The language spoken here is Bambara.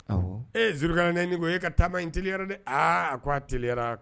Ee zurukkara ne ɲini ko e ka taama ineliyara de a a ko a teliyara